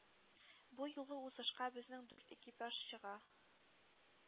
Бу юлы узышка безнең дүрт экипаж чыга.